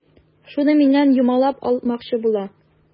Шуны миннән юмалап алмакчы була.